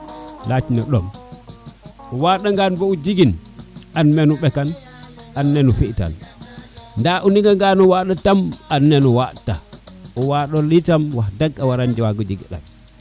yaac no ɗom o waɗa ngaan bo jegin an meno ɓekan an neno fi tan nda o nara ngano waɗ tam o an ne o waaɗ tan o waɗole itam waxdeg a wara wago jega ɗat